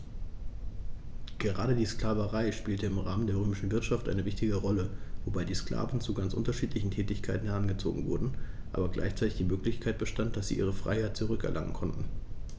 Gerade die Sklaverei spielte im Rahmen der römischen Wirtschaft eine wichtige Rolle, wobei die Sklaven zu ganz unterschiedlichen Tätigkeiten herangezogen wurden, aber gleichzeitig die Möglichkeit bestand, dass sie ihre Freiheit zurück erlangen konnten.